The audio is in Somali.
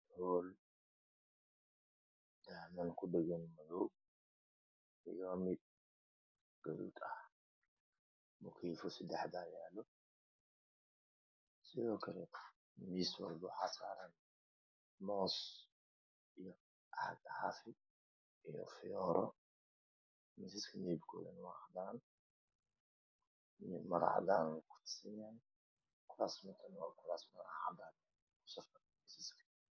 Howl dahamo ku dhagan yihiin madow ah miisaas ayaa yaalo mukef ayaa ku ka waa caddaan miis walba waxaa saaran